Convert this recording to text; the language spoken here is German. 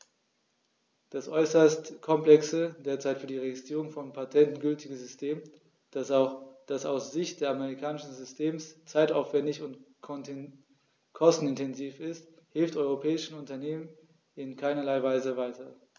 Das äußerst komplexe, derzeit für die Registrierung von Patenten gültige System, das aus Sicht des amerikanischen Systems zeitaufwändig und kostenintensiv ist, hilft europäischen Unternehmern in keinerlei Weise weiter.